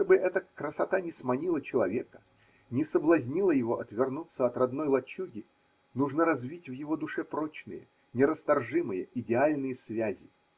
чтобы эта красота не сманила человека, не соблазнила его отвернуться от родной лачуги, нужно развить в его душе прочные, нерасторжимые идеальные связи.